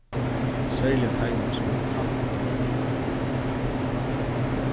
serliga teimum sum eru í tættbygdum øki